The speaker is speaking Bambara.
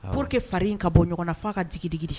Pour que faririn ka bɔ ɲɔgɔn na foa ka digiigidi